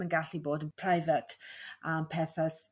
yn gallu bod yn private am pethau